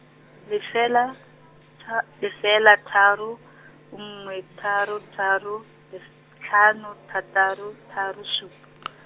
lefela , tha- lefela tharo, nngwe tharo tharo, lef-, tlhano thataro tharo sup- .